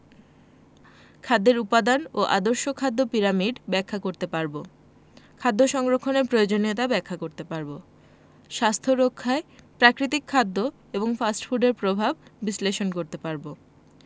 খাদ্যের উপাদান ও আদর্শ খাদ্য পিরামিড ব্যাখ্যা করতে পারব খাদ্য সংরক্ষণের প্রয়োজনীয়তা ব্যাখ্যা করতে পারব স্বাস্থ্য রক্ষায় প্রাকৃতিক খাদ্য এবং ফাস্ট ফুডের প্রভাব বিশ্লেষণ করতে পারব